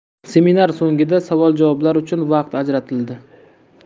seminar so'ngida savol javoblar uchun vaqt ajratildi